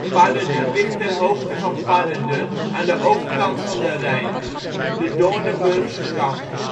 Pannerden ligt ter hoogte van Pannerden, aan de overkant van de Rijn, de Doornenburgse kant